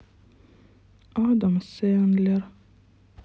адам сендлер